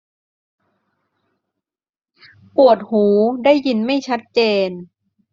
ปวดหูได้ยินไม่ชัดเจน